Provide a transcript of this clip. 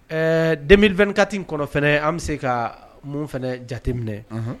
Ɛɛ denri2 kati kɔnɔ fana an bɛ se ka mun fana jateminɛ